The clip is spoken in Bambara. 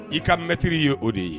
I ka mottiri ye o de ye